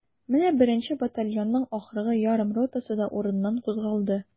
Менә беренче батальонның ахыргы ярым ротасы да урыныннан кузгалды.